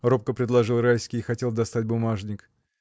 — робко предложил Райский и хотел достать бумажник.